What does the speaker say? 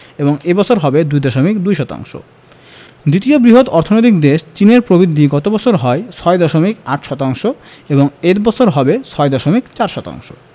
এবং এ বছর হবে ২.২ শতাংশ দ্বিতীয় বৃহৎ অর্থনৈতিক দেশ চীনের প্রবৃদ্ধি গত বছর হয় ৬.৮ শতাংশ এবং এ বছর হবে ৬.৪ শতাংশ